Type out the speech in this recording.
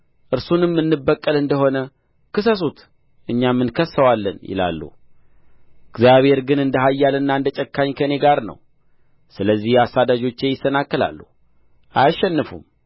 እርሱንም እንበቀል እንደ ሆነ ክሰሱት እኛም እንከስሰዋለን ይላሉ እግዚአብሔር ግን እንደ ኃያልና እንደ ጨካኝ ከእኔ ጋር ነው ስለዚህ አሳዳጆቼ ይሰናከላሉ አያሸንፉም